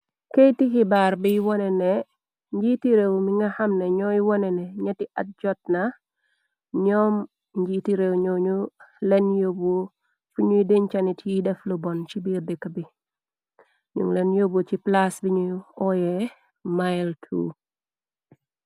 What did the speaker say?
Keyiti xibaar bi wone ne, njiiti réew mi nga xamne ñooy wone ne ñetti at jotna, ñoom njiiti réew ñunu leen yóbbu fu ñuy dënca nit yiy def lu bon ci biir dekke bi, ñu leen yobbu ci plaase biñu ooyee mile tu.